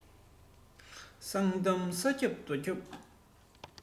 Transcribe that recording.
གསང གཏམ ས ཁྱབ རྡོ ཁྱབ